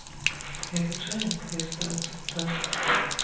изучаем поезда в цветах